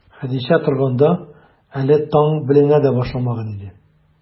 Хәдичә торганда, әле таң беленә дә башламаган иде.